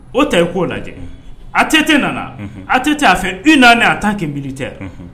O ta i k'o lajɛ , ATT nana, unhun, ATT a fait une année en tant que militaire